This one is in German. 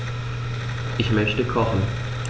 Ich möchte kochen.